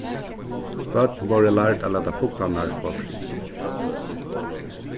børn vórðu lærd at lata fuglarnar fáa frið